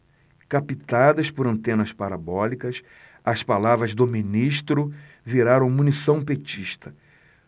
captadas por antenas parabólicas as palavras do ministro viraram munição petista